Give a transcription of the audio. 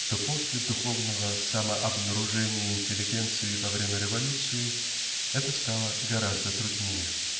то после духовного самообнажения интеллигенции во время революции это стало гораздо труднее.